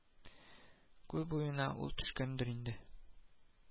Күл буенда: ул төшкәндер инде